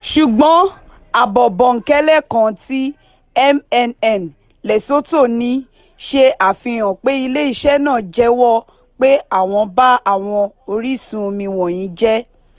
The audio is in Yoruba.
Ṣùgbọ́n, àbọ̀ bòńkẹ́lẹ́ kan tí MNN Lesotho ní ṣe àfihàn pé ilé-iṣẹ́ náà jẹ́wọ́ pé àwọn bá àwọn orísun omi wọ̀nyìí jẹ́.